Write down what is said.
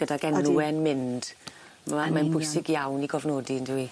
Gydag mynd bwysig iawn i gofnodi yndyw 'i?